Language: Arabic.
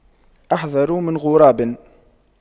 أحذر من غراب